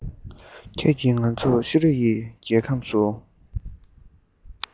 ཁྱེད ཀྱིས ང ཚོར ཤེས རིག གི རྒྱལ ཁམས སུ